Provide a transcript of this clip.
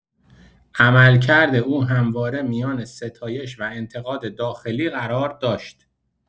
عملکرد او همواره میان ستایش و انتقاد داخلی قرار داشت.